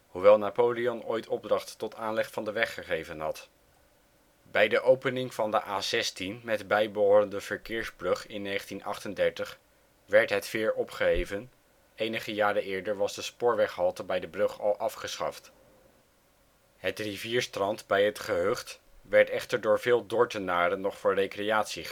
hoewel Napoleon ooit opdracht tot aanleg van de weg gegeven had). Bij de opening van de A16 met bijbehorende verkeersbrug in 1938 werd het veer opgeheven; enige jaren eerder was de spoorweghalte bij de brug al afgeschaft. Het rivierstrand bij het gehucht werd echter door veel Dordtenaren nog voor recreatie